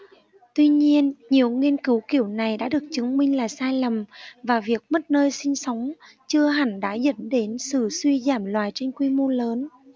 tuy nhiên nhiều nghiên cứu kiểu này đã được chứng minh là sai lầm và việc mất nơi sinh sống chưa hẳn đã dẫn đến sự suy giảm loài trên quy mô lớn